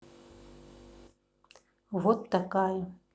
вот такая